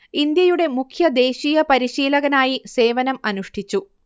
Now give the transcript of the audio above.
ഇന്ത്യയുടെ മുഖ്യ ദേശീയ പരിശീലകനായി സേവനം അനുഷ്‌ഠിച്ചു